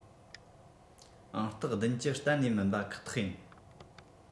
ཨང རྟགས ༧༠ གཏན ནས མིན པ ཁག ཐག ཡིན